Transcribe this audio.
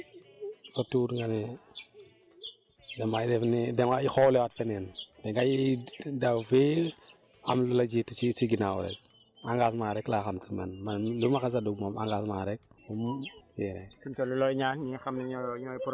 waawaaw ndaxte tey sa tuur nga ne damay def nii damay xooliwaat feneen dangay daw fii am lu la jiitu si si ginnaaw rek engagement rek laa xam si man man lu ma xas a dugg moom engagement rek ba mu jeex